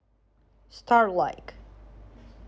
star like